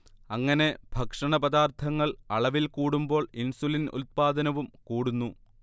അങ്ങനെ ഭക്ഷണപദാർഥങ്ങൾ അളവിൽ കൂടുമ്പോൾ ഇൻസുലിൻ ഉൽപാദനവും കൂടുന്നു